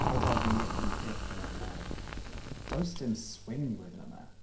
Ma' 'da fi un peth fan hyn nawr. Does dim swing blwyddyn yma.